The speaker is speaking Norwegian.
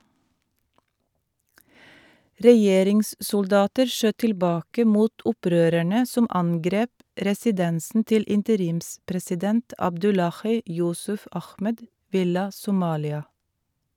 Regjeringssoldater skjøt tilbake mot opprørerne som angrep residensen til interimspresident Abdullahi Yusuf Ahmed, Villa Somalia.